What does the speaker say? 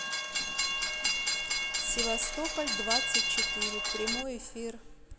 севастополь двадцать четыре прямой эфир